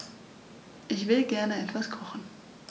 Ich will gerne etwas kochen.